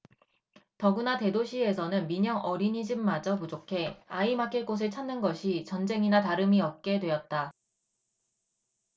더구나 대도시에서는 민영 어린이집마저 부족해 아이 맡길 곳을 찾는 것이 전쟁이나 다름이 없게 되었다